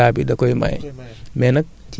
daf koy maye directement